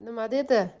nima dedi